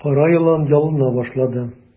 Кара елан ялына башлады.